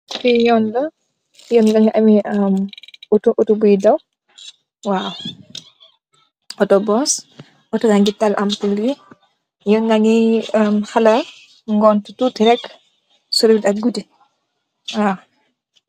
Fi yun la yun bagi ameh am mogi ameh auto auto bui daw waw auto buss auto yagi taal lampa yi yena gi hawa ngon tuti rek sori wut ak gudi waw.